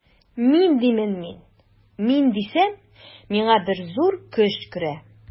Мин димен мин, мин дисәм, миңа бер зур көч керә.